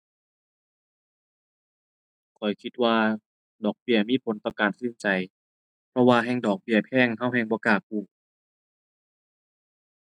ข้อยคิดว่าดอกเบี้ยมีผลต่อการตัดสินใจ เพราะว่าแฮ่งดอกเบี้ยแพง เราแฮ่งบ่กล้ากู้